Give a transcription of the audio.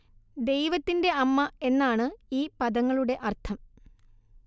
ദൈവത്തിന്റെ അമ്മ എന്നാണ് ഈ പദങ്ങളുടെ അർത്ഥം